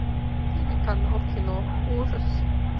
телеканал кино ужас